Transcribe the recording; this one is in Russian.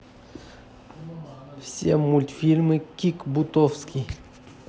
все мультфильмы кик бутовски